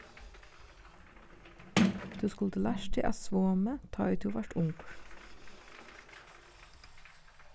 tú skuldi lært teg at svomið tá ið tú vart ungur